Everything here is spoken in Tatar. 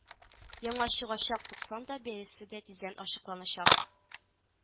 Яңа чыгачак туксан да бәясе дә тиздән ачыкланачак